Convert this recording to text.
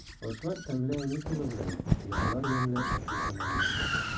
Ашлар тәмле әни кулы белән, йортлар ямьле әти тыны белән.